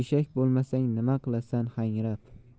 eshak bo'lmasang nima qilasan hangrab